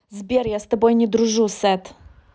сбер я с тобой не дружу сет